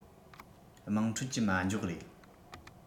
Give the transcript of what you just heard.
དམངས ཁྲོད ཀྱི མ འཇོག རེད